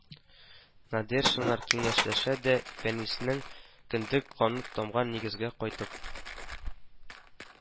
Нәдершиннар киңәшләшә дә, Фәниснең кендек каны тамган нигезгә кайтып